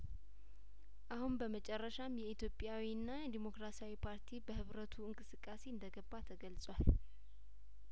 አሁን በመጨረሻም የኢትዮጵያዊና ዲሞክራሲያዊ ፓርቲ በህብረቱ እንቅስቃሴ እንደገባ ተገልጿል